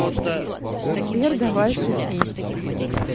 сбер давай шутить